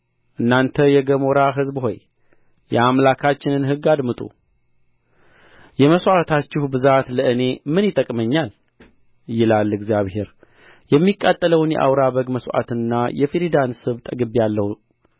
እናንተ የገሞራ ሕዝብ ሆይ የአምላካችንን ሕግ አድምጡ የመሥዋዕታችሁ ብዛት ለእኔ ምን ይጠቅመኛል ይላል እግዚአብሔር የሚቃጠለውን የአውራ በግ መሥዋዕትንና የፍሪዳን ስብ ጠግቤያለሁ